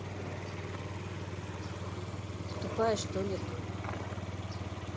тупая что ли ты